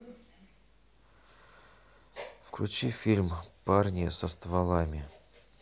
включи фильм парни со стволами